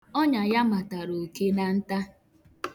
Onya ya matara oke na nta.